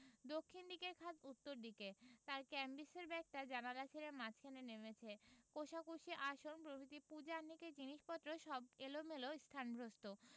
দক্ষিণ দিকের খাট উত্তর দিকে তাঁর ক্যাম্বিসের ব্যাগটা জানালা ছেড়ে মাঝখানে নেমেচে কোষাকুষি আসন প্রভৃতি পূজা আহ্নিকের জিনিসপত্রগুলো সব এলোমেলো স্থানভ্রষ্ট